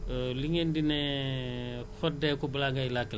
mais loolu nag gouvernement bi ta xaarul